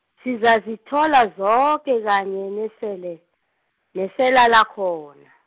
sizazithola zoke kanye nesele, nesela lakhona.